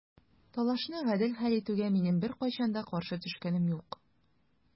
Талашны гадел хәл итүгә минем беркайчан да каршы төшкәнем юк.